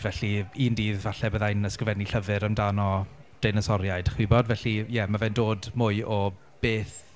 Felly un dydd falle byddai'n ysgrifennu llyfr amdano deinosoriaid chi'n gwybod? Felly ie mae fe'n dod mwy o beth...